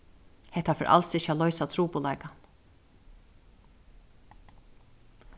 hetta fer als ikki at loysa trupulleikan